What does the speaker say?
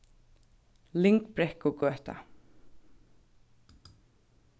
lyngbrekkugøta